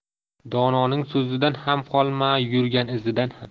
dononing so'zidan ham qolma yurgan izidan ham